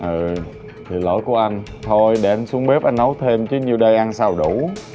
ừ lỗi của anh thôi để xuống bếp anh nấu thêm chứ nhiêu đây ăn sao đủ